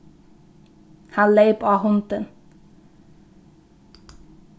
hann leyp á hundin